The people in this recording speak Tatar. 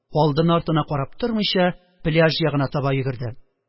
Алдына-артына карап тормыйча, пляж ягына таба йөгерде.